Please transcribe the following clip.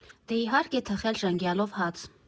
Դե, իհարկե, թխել ժենգյալով հաց։